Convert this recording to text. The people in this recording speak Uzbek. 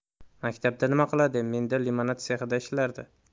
maktabda nima qiladi menda limonad tsexida ishlardi